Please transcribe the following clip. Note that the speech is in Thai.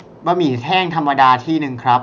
บะหมี่แห้งธรรมดาที่นึงครับ